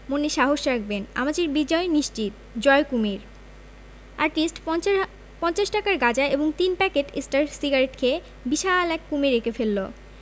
মনে সাহস রাখবেন আমাদের বিজয় নিশ্চিত জয় কুমীর আর্টিস্ট পঞ্চাশ পঞ্চাশ টাকার গাঁজা এবং তিন প্যাকেট স্টার সিগারেট খেয়ে বিশাল এক কুমীর এঁকে ফেলল